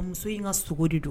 Muso in ka sogo de don